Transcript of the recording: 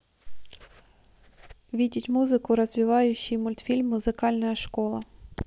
видеть музыку развивающий мультфильм музыкальная школа